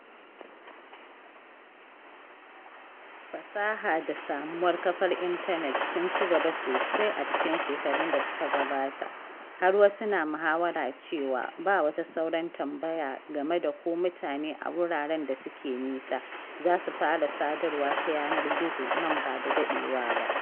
Fasaha da samuwar kafar intanet sun ci gaba sosai a cikin shekarun da suka gabata, har wasu na muhawara cewa ba wata sauran tambaya game da ko mutane a wuraren da suke nisa za su fara sadarwa ta yanar gizo nan ba da daɗewa ba.